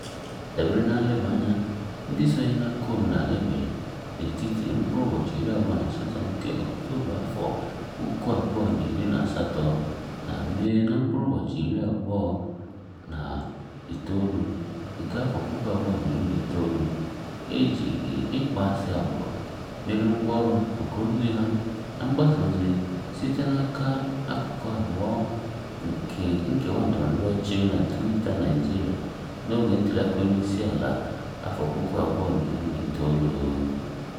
Dabere na nleba anya ndị sonye n'akụkụ omenala e mere n'etiti Ọktoba 28, 2018, na Mee 29, 2019, e jiri ịkpọasị agbụrụ mere ngwaọrụ maka ozi ụgha na mgbasa ozi site n'aka akụkụ abụọ nke nkewa ndọrọ ndọrọ ọchịchị na Twitter Naịjirịa n'oge ntụliaka onyeisiala nke 2019.